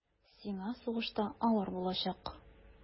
Сиңа сугышта авыр булачак.